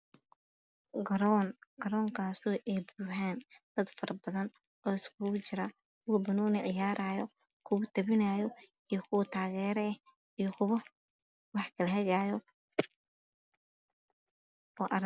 Waa garoon ay daawanayeen dad farabadan ay dheelayaan kuwa ha ii muuqdo dhab qabo galmudug ah iyo dhar jaale ah